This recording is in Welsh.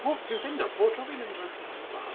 Pob... fi'n ffeindo, pob tro fi'n mynd draw tŷ Mam a Dad...